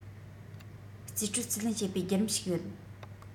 རྩིས སྤྲོད རྩིས ལེན བྱེད པའི བརྒྱུད རིམ ཞིག ཡོད